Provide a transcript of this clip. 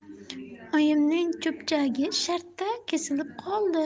oyimning cho'pchagi shartta kesilib qoldi